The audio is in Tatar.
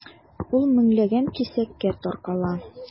Ул меңләгән кисәккә таркала.